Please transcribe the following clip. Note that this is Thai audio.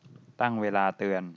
ตั้งเวลาเตือน